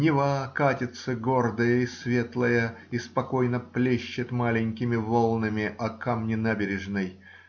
Нева катится, гордая и светлая, и спокойно плещет маленькими волнами о камни набережной.